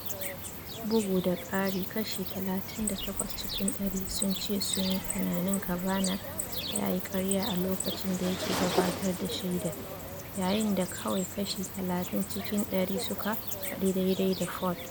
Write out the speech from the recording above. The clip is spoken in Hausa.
Bugu da ƙari, kashi 38 cikin dari sun ce sunyi tunanin Kavanaugh ya yi ƙarya a lokacin da yake gabatar da shaida, yayin da kawai kashi 30 cikin dari suka faɗi daidai da Ford.